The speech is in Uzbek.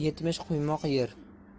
yetmish quymoq yer